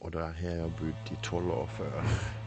Og der har jeg bodd i tolv år før.